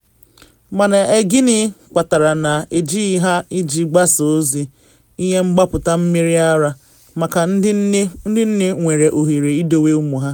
Mana ee gịnị kpatara na ejighi ha iji gbasaa ozi ihe mgbapụta mmiri ara maka ndị nne nwere ohere idowe ụmụ ha?”